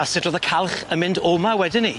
A sut ro'dd y calch yn mynd o 'ma wedyn 'ny?